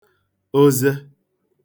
oze